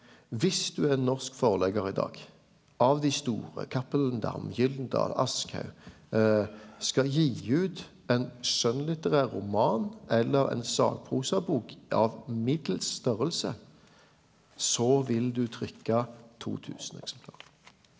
viss du er norsk forleggar i dag av dei store Cappelen Damm, Gyldendal, Aschehoug skal gi ut ein skjønnlitterær roman eller ein sakprosabok av middels størrelse så vil du trykka 2000 eksemplar.